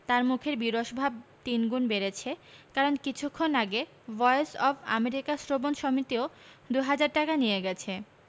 তাঁর মুখের বিরস ভাব তিনগুণ বেড়েছে কারণ কিছুক্ষণ আগে ভয়েস অব আমেরিকা শ্রবণ সমিতিও দু হাজার টাকা নিয়ে গেছে